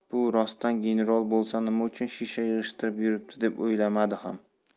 bu rostdan ginrol bo'lsa nima uchun shisha yig'ishtirib yuribdi deb o'ylamadi ham